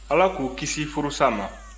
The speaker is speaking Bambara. ala k'u kisi furusa ma